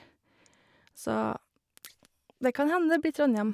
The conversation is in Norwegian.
Så det kan hende det blir Trondhjem.